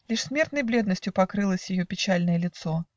Лишь смертной бледностью покрылось Ее печальное лицо.